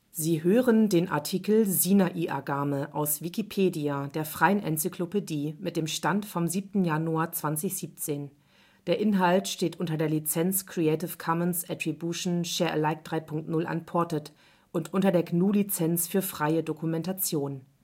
Sie hören den Artikel Sinai-Agame, aus Wikipedia, der freien Enzyklopädie. Mit dem Stand vom Der Inhalt steht unter der Lizenz Creative Commons Attribution Share Alike 3 Punkt 0 Unported und unter der GNU Lizenz für freie Dokumentation